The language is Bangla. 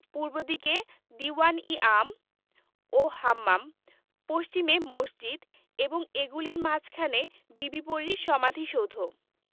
পূর্ব দিকে দীউয়ান ই আম ও হাম্মাম পশ্চিমে মসজিদ এবং এগুলির মাঝখানে বিবি পরীর সমাধিসৌধ